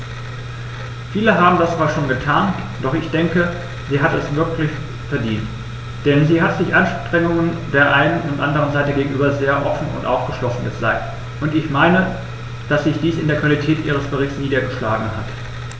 Viele haben das zwar schon getan, doch ich denke, sie hat es wirklich verdient, denn sie hat sich Anregungen der einen und anderen Seite gegenüber sehr offen und aufgeschlossen gezeigt, und ich meine, dass sich dies in der Qualität ihres Berichts niedergeschlagen hat.